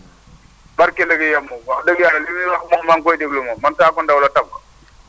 barkeel liggéeyam moom wax dëgg yàlla li muy wax moom maa ngi koy déglu moom man Sakho Ndao la Taba